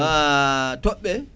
toɓɓe